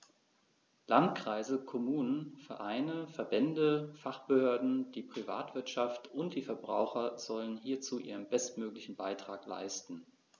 Landkreise, Kommunen, Vereine, Verbände, Fachbehörden, die Privatwirtschaft und die Verbraucher sollen hierzu ihren bestmöglichen Beitrag leisten.